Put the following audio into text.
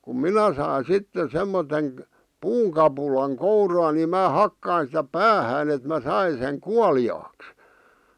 kun minä sain sitten semmoisen puunkapulan kouraani minä hakkasin sitä päähän että minä sain sen kuoliaaksi